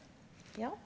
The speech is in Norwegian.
ja.